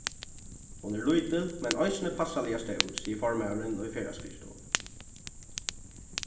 hon er lítil men eisini passaliga stór sigur formaðurin í ferðaskrivstovuni